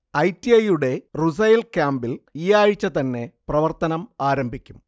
I. T. I യുടെ Rusail ക്യാമ്പസ്സിൽ ഈയാഴ്ച്ച തന്നെ പ്രവർത്തനം ആരംഭിക്കും